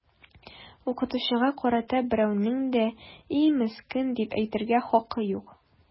Укытучыга карата берәүнең дә “и, мескен” дип әйтергә хакы юк!